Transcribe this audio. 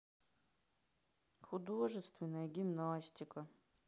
художественная гимнастика